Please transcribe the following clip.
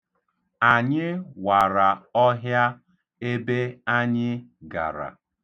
Anyị wara ọhịa ebe anyị gara.